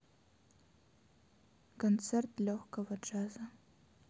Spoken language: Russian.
концерт легкого джаза